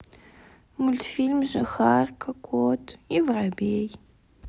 мультфильм жихарка кот и воробей